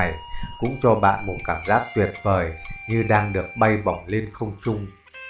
cũng cho bạn một cảm giác tuyệt vời như đang được bay bổng lên không trung